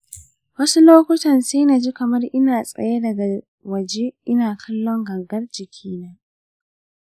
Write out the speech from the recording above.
wasu lokutan sai na ji kamar ina tsaye daga waje ina kallon gangar jikina.